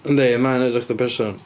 Yndi, ma'n edrych fatha person.